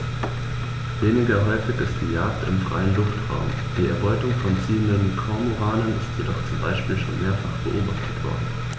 Weniger häufig ist die Jagd im freien Luftraum; die Erbeutung von ziehenden Kormoranen ist jedoch zum Beispiel schon mehrfach beobachtet worden.